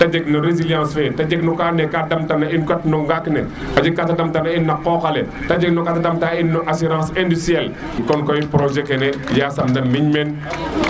te jeg no légilience fe no ka ando na ye ka dam tana in kat no gaak ne a jeg kate dam ta ne in na qoqale te jeg kate dam ta in no assurance industriel conn koy projet kene yasam de miñ meen